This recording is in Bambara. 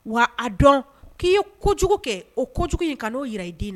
Wa a dɔn k'i jugu kɛ o in ka n'o yɛrɛ i den na